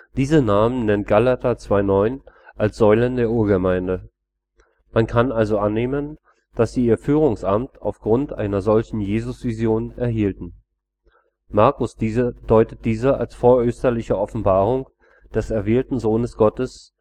Diese Namen nennt Gal 2,9 als „ Säulen “der Urgemeinde: Man kann also annehmen, dass sie ihr Führungsamt aufgrund einer solchen Jesusvision erhielten. Markus deutet diese als vorösterliche Offenbarung des erwählten Sohnes Gottes